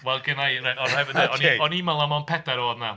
Wel genna i... reit oedd rhaid fi ddweud o'n i'n meddwl mae 'mond pedair oedd 'na.